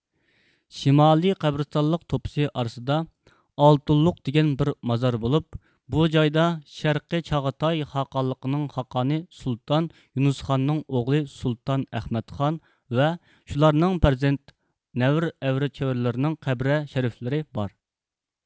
شىمالىي قەبرىستانلىق توپى ئارىسىدا ئالتۇنلۇق دېگەن بىر مازار بولۇپ بۇ جايدا شەرقىي چاغاتاي خاقانلىقىنىڭ خاقانى سۇلتان يۇنۇسخاننىڭ ئوغلى سۇلتان ئەخمەتخان ۋە شۇلارنىڭ پەرزەنت نەۋرە ئەۋرە چەۋرىلىرىنىڭ قەبرە شەرەفلىرى بار